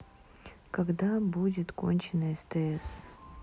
когда будет кончена стс